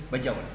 ba Diaole